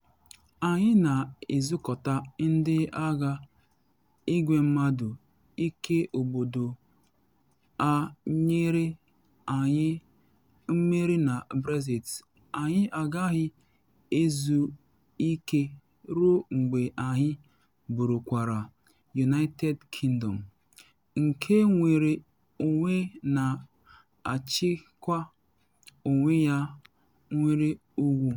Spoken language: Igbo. ‘Anyị na ezukọta ndị agha igwe mmadụ nke obodo a nyere anyị mmeri na Brexit, anyị agaghị ezu ike ruo mgbe anyị bụrụkwara United Kingdom nke nnwere onwe, na achịkwa onwe ya, nwere ugwu.’